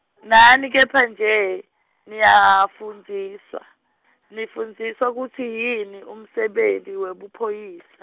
nani kepha nje, niyafundziswa, nifundziswa kutsi yini, umsebenti webuphoyisa.